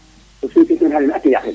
o fi tig te yaqin